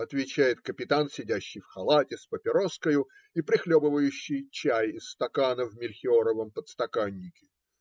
- отвечает капитан, сидящий в халате, с папироскою, и прихлебывающий чай из стакана в мельхиоровом подстаканнике.